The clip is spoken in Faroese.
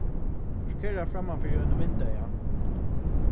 parkera framman fyri einum vindeyga